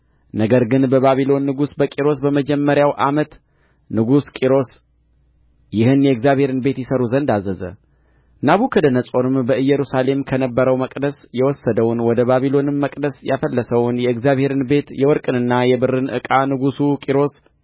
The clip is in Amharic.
ነገር ግን በባቢሎን ንጉሥ በቂሮስ በመጀመሪያው ዓመት ንጉሡ ቂሮስ ይህን የእግዚአብሔርን ቤት ይሠሩ ዘንድ አዘዘ ናቡከደነፆርም በኢየሩሳሌም ከነበረው መቅደስ የወሰደውን ወደ ባቢሎንም መቅደስ ያፈለሰውን የእግዚአብሔርን ቤት የወርቅንና የብርን ዕቃ ንጉሡ ቂሮስ